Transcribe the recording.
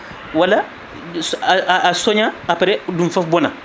walla a cooña aprés ɗum foof boona